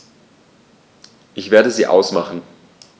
Ich werde sie ausmachen.